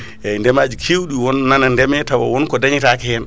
eyyi ndeemaji kewɗi won nana ndeeme tawa wonko dañetake hen